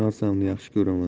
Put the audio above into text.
narsamni yaxshi ko'raman